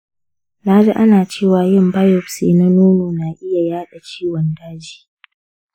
na ji ana cewa yin biopsy na nono na iya yaɗa ciwon daji.